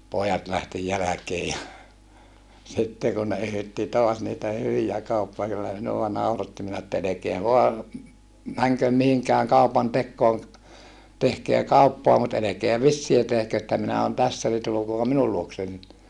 pojat lähti jälkeen ja sitten kun ne yhytti taas niitä hyviä - kyllä minua nauratti minä että älkää vain menkö mihinkään kaupantekoon tehkää kauppaa mutta älkää vissiä tehkö että minä olen tässä niin tulkaapa minun luokseni